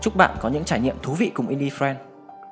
chúc bạn có những trải nghiệm thú vị cùng infdyfriend